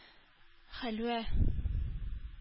Хәлвә